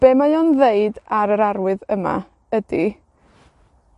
Be' mae o'n ddeud ar yr arwydd yma, ydi